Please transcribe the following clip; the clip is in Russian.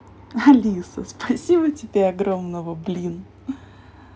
алиса спасибо тебе огромного блин